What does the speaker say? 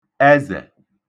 ẹzẹ̀